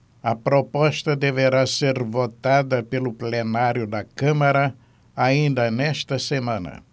a proposta deverá ser votada pelo plenário da câmara ainda nesta semana